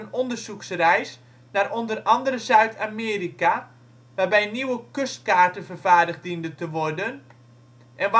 onderzoeksreis naar onder andere Zuid-Amerika, waarbij nieuwe kustkaarten vervaardigd dienden te worden, en